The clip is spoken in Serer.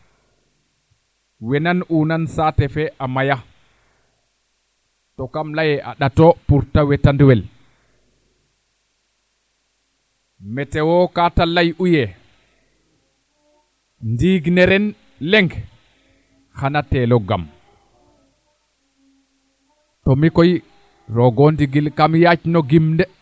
nan ino saate fee a may a to kamn leyee a ndato pour te wetan wel meteo kaa te ley'u yee ndiing ne ren leŋ xana teelo gam to mi koy roogo ndingil kam yaac no gim de